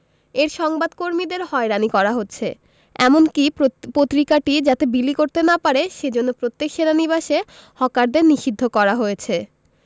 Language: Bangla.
এর সংবাদ কর্মীদের হয়রানি করা হচ্ছে এমনকি পত্রিকাটি যাতে বিলি করতে না পারে সেজন্যে প্রত্যেক সেনানিবাসে হকারদের নিষিদ্ধ করা হয়েছে